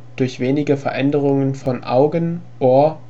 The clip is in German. wenige Veränderungen von Augen -, Ohr